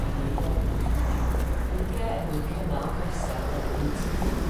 i neud o edrych yn ddel a brige er mwyn cynnal y coese fel ma' nw'n tyfu.